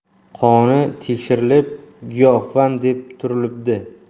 qoni tekshirilib giyohvand deb turilibdi